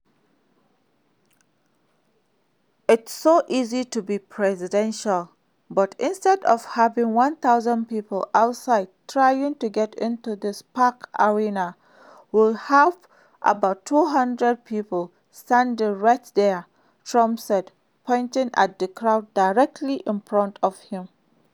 "It's so easy to be presidential, but instead of having 10,000 people outside trying to get into this packed arena, we'd have about 200 people standing right there," Trump said, pointing at the crowd directly in front of him.